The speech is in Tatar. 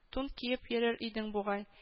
Тун киеп йөрер идең бугай